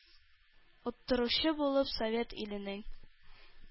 Оттыручы булып, совет иленең,